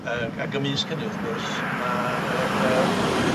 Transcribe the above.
Yy g- ag ymysg hynny wrth gwrs, ma' yr yy